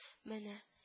— менә